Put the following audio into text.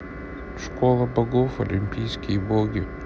школа богов олимпийские боги